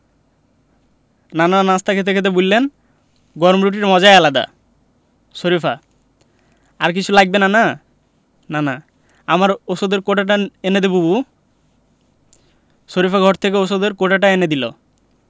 নানা নাশতা খেতে খেতে বললেন গরম রুটির মজাই আলাদা শরিফা আর কিছু লাগবে নানা নানা আমার ঔষধের কৌটোটা এনে দাও বুবু শরিফা ঘর থেকে ঔষধের কৌটোটা এনে দিল